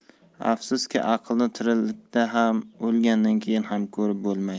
afsuski aqlni tiriklikda ham o'lgandan keyin ham ko'rib bo'lmaydi